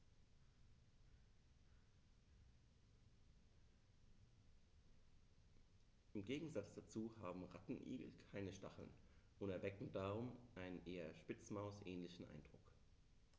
Im Gegensatz dazu haben Rattenigel keine Stacheln und erwecken darum einen eher Spitzmaus-ähnlichen Eindruck.